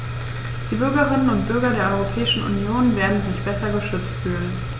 Die Bürgerinnen und Bürger der Europäischen Union werden sich besser geschützt fühlen.